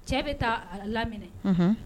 Cɛ bɛ taa laminɛ